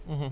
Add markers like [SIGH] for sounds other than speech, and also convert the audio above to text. [HESITATION] [HESITATION]